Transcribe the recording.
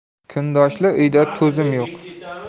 kundoshli uyda to'zim yo'q